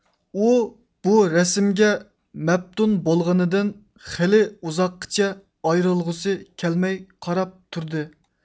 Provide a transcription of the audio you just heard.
ئۇ بۇ رەسىمگە مەپتۇن بولغىنىدىن خېلى ئۇزاققىچە ئايرىلغۇسى كەلمەي قاراپ تۇردى